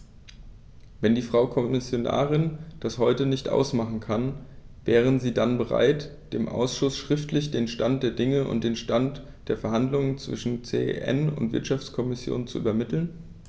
Wenn die Frau Kommissarin das heute nicht machen kann, wäre sie dann bereit, dem Ausschuss schriftlich den Stand der Dinge und den Stand der Verhandlungen zwischen CEN und Wirtschaftskommission zu übermitteln?